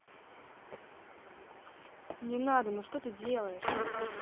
не надо ну что ты делаешь